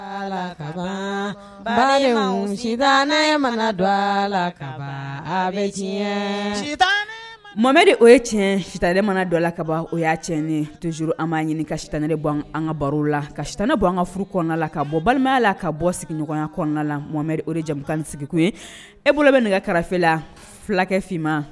Mana dɔ la ka bɛ mamari o ye tiɲɛ sita ne mana dɔ la ka ban o y'a cɛ ni tjuru an ma' ɲini ka sitan nere bɔ an ka baro la ka sitan ne bɔ an ka furu kɔnɔna la ka bɔ balimaya la ka bɔ sigiɲɔgɔnya kɔnɔna la mama o de jamumukan sigikun e bolo bɛ nɛgɛ kɛrɛfɛfe la fulakɛ fma